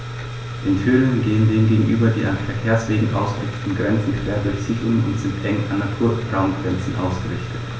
In Thüringen gehen dem gegenüber die an Verkehrswegen ausgerichteten Grenzen quer durch Siedlungen und sind eng an Naturraumgrenzen ausgerichtet.